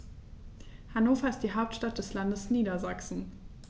Hannover ist die Hauptstadt des Landes Niedersachsen.